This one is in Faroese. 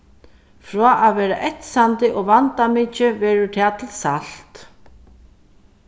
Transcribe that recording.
frá at vera etsandi og vandamikið verður tað til salt